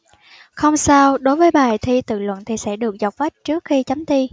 không sao đối với bài thi tự luận thì sẽ được dọc phách trước khi chấm thi